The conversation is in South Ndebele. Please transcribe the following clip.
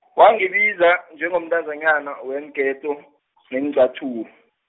wangibiza njengomntazanyana weenketo, nenqathu- .